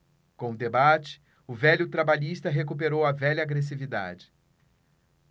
com o debate o velho trabalhista recuperou a velha agressividade